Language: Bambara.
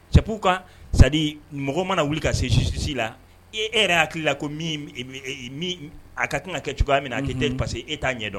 Cɛu kan sa mɔgɔ mana wuli ka sesisisi la e e yɛrɛ hakili la ko a ka kan ka kɛ cogoya min na a tɛ parceseke e t'a ɲɛdɔn